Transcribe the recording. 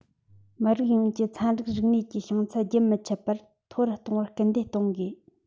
མི རིགས ཡོངས ཀྱི ཚན རིག རིག གནས ཀྱི བྱང ཚད རྒྱུན མི འཆད པར མཐོ རུ གཏོང བར སྐུལ འདེད གཏོང དགོས